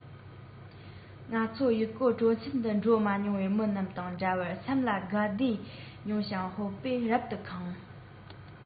ང ཚོ ཡུལ སྐོར སྤྲོ འཆམ དུ འགྲོ མ མྱོང བའི མི རྣམས དང འདྲ བར སེམས ལ དགའ བདེས མྱོང ཤིང སྤོབས པས རབ ཏུ ཁེངས